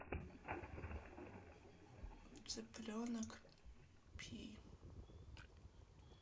цыпленок пи